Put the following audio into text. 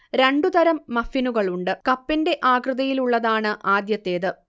രണ്ടു തരം മഫ്ഫിനുകളുണ്ട്, കപ്പിന്റെ ആകൃതിയിലുള്ളതാണ് ആദ്യത്തേത്